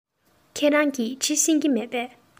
ཁྱེད རང གིས འབྲི ཤེས ཀྱི མེད པས